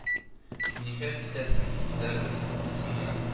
Нихәл итәсең, түзәрбез, булсын гына